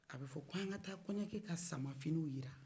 a bɛ fɔ k'an ka taa kɔɲɔkɛ ka sama finiw jira